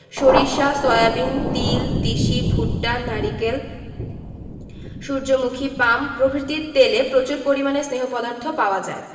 সরিষা সয়াবিন তিল তিসি ভুট্টা নারকেল সুর্যমুখী পাম প্রভৃতির তেলে প্রচুর পরিমাণে স্নেহ পদার্থ পাওয়া যায়